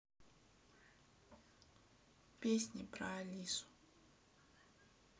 песни про алису